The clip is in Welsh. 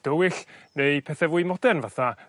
dywyll neu pethe fwy modern fath 'a